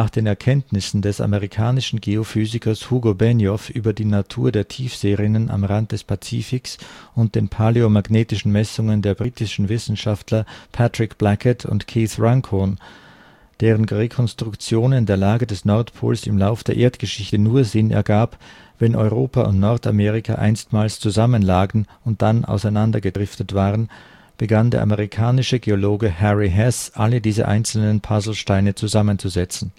den Erkenntnissen des amerikanischen Geophysikers Hugo Benioff über die Natur der Tiefseerinnen am Rand des Pazifiks und den paläomagnetischen Messungen der britischen Wissenschaftler Patrick Blackett und Keith Runcorn, deren Rekonstruktionen der Lage des Nordpols im Lauf der Erdgeschichte nur Sinn ergab, wenn Europa und Nordamerika einstmals zusammen lagen und dann auseinander gedriftet waren, begann der amerikanische Geologe Harry Hess alle diese einzelnen Puzzlesteine zusammenzusetzen